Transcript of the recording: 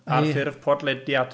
Ar ffurf podlediad.